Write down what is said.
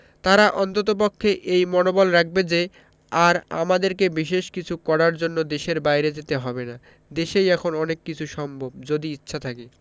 তারা অন্ততপক্ষে এই মনোবল রাখবে যে আর আমাদেরকে বিশেষ কিছু করার জন্য দেশের বাইরে যেতে হবে না দেশেই এখন অনেক কিছু সম্ভব যদি ইচ্ছা থাকে